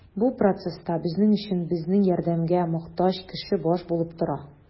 Бу процесста безнең өчен безнең ярдәмгә мохтаҗ кеше баш булып тора.